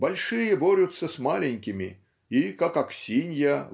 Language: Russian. большие борются с маленькими и как Аксинья